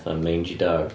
Fatha mangey dog.